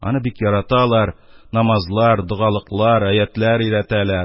Аны бик яраталар, намазлар, догалыклар, аятьләр өйрәтәләр.